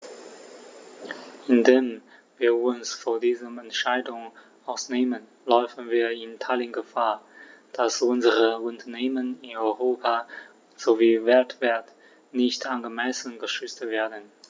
Indem wir uns von dieser Entscheidung ausnehmen, laufen wir in Italien Gefahr, dass unsere Unternehmen in Europa sowie weltweit nicht angemessen geschützt werden.